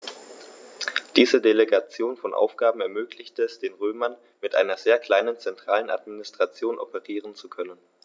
Diese Delegation von Aufgaben ermöglichte es den Römern, mit einer sehr kleinen zentralen Administration operieren zu können.